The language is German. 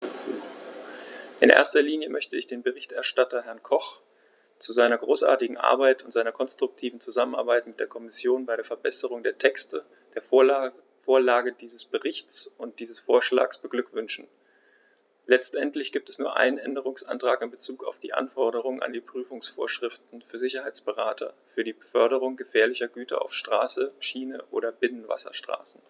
In erster Linie möchte ich den Berichterstatter, Herrn Koch, zu seiner großartigen Arbeit und seiner konstruktiven Zusammenarbeit mit der Kommission bei der Verbesserung der Texte, der Vorlage dieses Berichts und dieses Vorschlags beglückwünschen; letztendlich gibt es nur einen Änderungsantrag in bezug auf die Anforderungen an die Prüfungsvorschriften für Sicherheitsberater für die Beförderung gefährlicher Güter auf Straße, Schiene oder Binnenwasserstraßen.